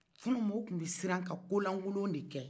kunun maaw tun bɛ siran ka ko lankolon de kɛ